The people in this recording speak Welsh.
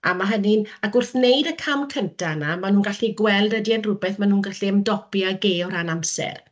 a 'ma hynny...ac wrth wneud y cam cyntaf yna, ma' nhw'n gallu gweld ydi e'n rhywbeth maen nhw'n gallu ymdopi ag e o ran amser.